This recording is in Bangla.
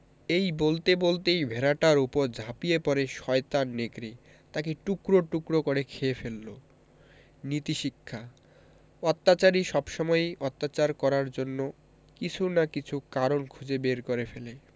এই বলতে বলতেই ভেড়াটার উপর ঝাঁপিয়ে পড়ে শয়তান নেকড়ে তাকে টুকরো টুকরো করে খেয়ে ফেলল নীতিশিক্ষাঃ অত্যাচারী সবসময়ই অত্যাচার করার জন্য কিছু না কিছু কারণ খুঁজে বার করে ফেলে